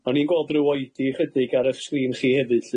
O'n i'n gweld ryw oedi ychydig ar ych sgrîn chi hefyd lly.